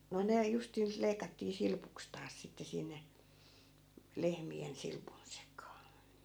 no ne justiinsa leikattiin silpuksi taas sitten sinne lehmien silpun sekaan